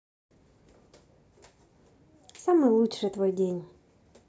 самый лучший твой день